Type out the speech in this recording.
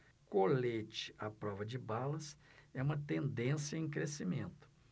colete à prova de balas é uma tendência em crescimento